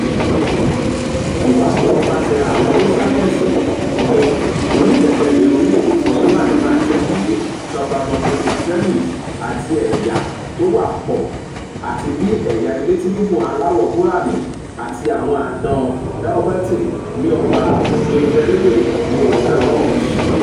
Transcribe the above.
Ìwádìí nípaṣẹ̀ àwọn oníṣáyẹ́ǹsì ní Onígbẹkẹ̀lé Orílẹ̀-èdè fún Scotland máa tẹ̀lé soprano pipistrelles àti ẹ̀yà tó wapọ̀ àti bíi ẹ̀yà elétí-gígùn aláwọ̀ búránù àti àwọn àdán Daubenton ní Ọgbà Inverewe ní Wester Ross.